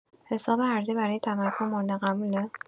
حساب ارزی برای تمکن مورد قبوله؟